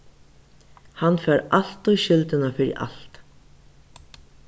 hann fær altíð skyldina fyri alt